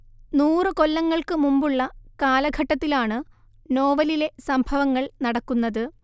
നൂറു കൊല്ലങ്ങൾക്കുമുമ്പുള്ള കാലഘട്ടത്തിലാണ് നോവലിലെ സംഭവങ്ങൾ നടക്കുന്നത്